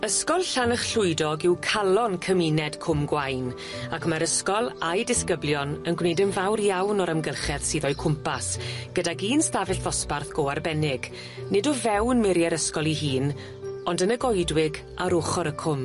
Ysgol Llanych Llwydog yw calon cymuned Cwm Gwaun ac ma'r ysgol a'i disgyblion yn gwneud yn fawr iawn o'r ymgylchedd sydd o'i cwmpas gydag un stafell ddosbarth go arbennig nid o fewn muriau'r ysgol ei hun ond yn y goedwig ar ochor y cwm.